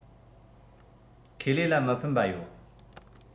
ཁེ ལས ལ མི ཕན པ ཡོད